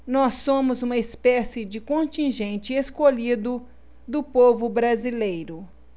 nós somos uma espécie de contingente escolhido do povo brasileiro